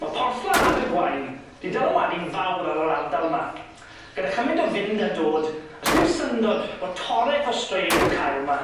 Ma' porthladd Abergwaun 'di dylanwadu'n fawr ar yr ardal 'ma gyda chymaint o fynd a dod 'o's dim syndod bo' toreth o straeon i'w cael 'ma.